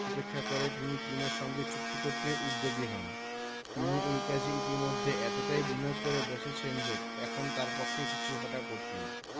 উপেক্ষা করে তিনি কিমের সঙ্গে চুক্তি করতে উদ্যোগী হন তিনি এই কাজে ইতিমধ্যে এতটাই বিনিয়োগ করে বসেছেন যে এখন তাঁর পক্ষে পিছু হটা কঠিন